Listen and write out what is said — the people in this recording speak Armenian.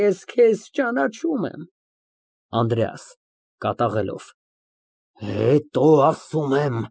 Ես քեզ ճանաչում եմ։ ԱՆԴՐԵԱՍ ֊ (Կատաղելով) Հետո, ասում եմ։